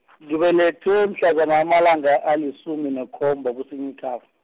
ngibelethwe, mhlazana amalanga, alisumi nekhomba kuSinyikhaba.